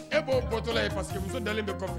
E'o bɔtɔla ye pa mu dalen bɛ